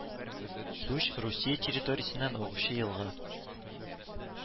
Суч Русия территориясеннән агучы елга